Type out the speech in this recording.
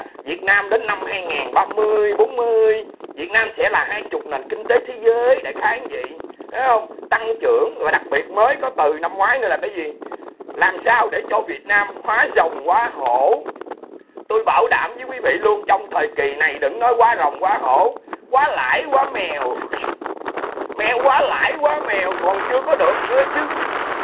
việt nam đến năm hai ngàn ba mươi bốn mươi việt nam sẽ là hai chục nền kinh tế thế giới đại khái dậy thấy hông tăng trưởng và đặc biệt mới có từ năm ngoái thôi là cái gì làm sao để cho việt nam hóa rồng hóa hổ tôi bảo đảm với quý vị luôn trong thời kỳ này đừng nói hóa rồng hóa hổ hóa lãi hóa mèo mèo hóa lãi hóa mèo còn chưa có được nữa chứ